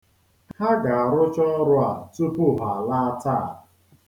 Ha ga-arụcha ọrụ a tupu ha laa taa.